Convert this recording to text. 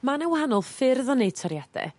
Ma' 'na wahanol ffyrdd o neu' toriade